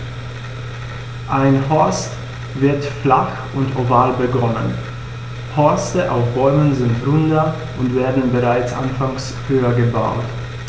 Ein Horst wird flach und oval begonnen, Horste auf Bäumen sind runder und werden bereits anfangs höher gebaut.